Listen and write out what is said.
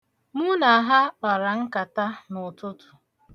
Mụ na ha kpara nkata n'ụtụtụ.